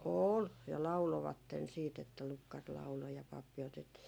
oli ja lauloivat sitten että lukkari lauloi ja pappi otettiin